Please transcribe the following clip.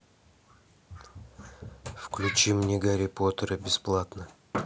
включи мне гарри поттера бесплатно